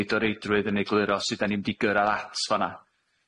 nid o reidrwydd yn egluro sud 'dan ni'n mynd i gyrradd at fan 'na.